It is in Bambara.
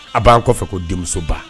A b'an kɔfɛ ko denmusoba